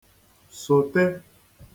sote